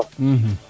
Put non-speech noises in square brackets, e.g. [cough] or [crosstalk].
[hesitation] [hesitation]